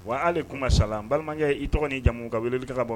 Wa aleale kuma sala balimakɛ ye i tɔgɔ ni jamumu ka wulili ka bɔ